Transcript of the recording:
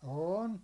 on